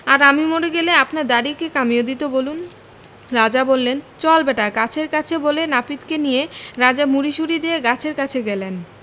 আর আমি মরে গেলে আপনার দাড়ি কে কমিয়ে দিত বলুন রাজা বললেনচল ব্যাটা গাছের কাছে বলে নাপিতকে নিয়ে রাজা মুড়িসুড়ি দিয়ে গাছের কাছে গেলেন